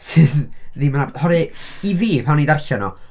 Sydd ddim yn nab- oherwydd, i fi, pan o'n i'n ddarllen o...